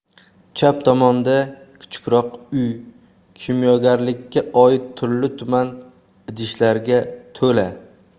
chap tomonda kichikroq uy kimyogarlikka oid turli tuman idishlarga to'la